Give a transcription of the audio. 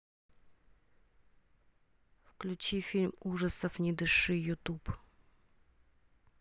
включи фильм ужасов не дыши ютуб